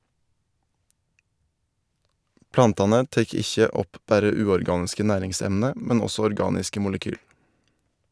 Plantane tek ikkje opp berre uorganiske næringsemne, men også organiske molekyl.